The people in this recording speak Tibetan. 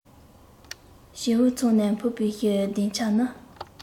བྱེའུ ཚང ནས འཕུར པའི གདེང ཆ ནི